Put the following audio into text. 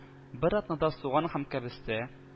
Бер атнада суган һәм кәбестә